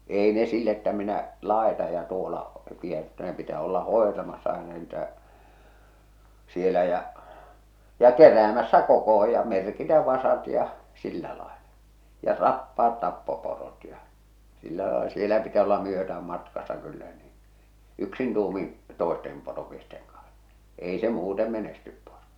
ei ne sillä että minä laitan ja tuolla pidän mutta ne pitää olla hoitamassa aina niitä siellä ja ja keräämässä kokoon ja merkitä vasat ja sillä lailla ja tappaa tappoporot ja sillä lailla siellä pitäisi olla myötään matkassa kyllä niin yksin tuumin toisten poromiesten kanssa ei se muuten menesty poro